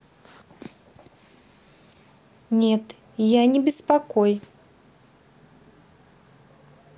нет я не беспокой